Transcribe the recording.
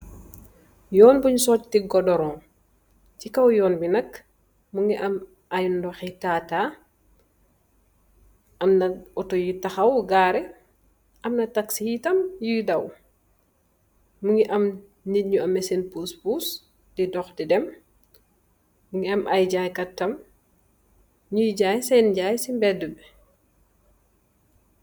Yonn bun sote godurun se kaw yonn be nak muge am aye nohe ta ta amna otu yu tahaw gareh amna taxi hetam yuy daw muge am neete nuameh sen puss puss de doh de dem muge am aye jayekate tam nuye jaye sen jaye se bedah be.